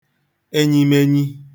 enyimenyi